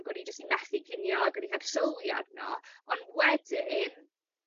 o'n i jyst 'di methu cinio ag o'n i heb sylwi arno on' wedyn